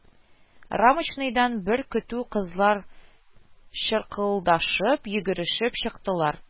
Рамочныйдан бер көтү кызлар чыркылдашып, йөгерешеп чыктылар